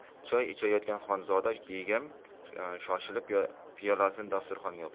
choy ichayotgan xonzoda begim shoshilib piyolasini dasturxonga qo'ydi